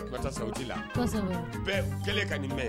Sati la bɛ kɛlɛ ka nin bɛ ye